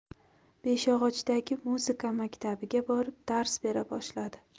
beshyog'ochdagi muzika maktabiga borib dars bera boshladi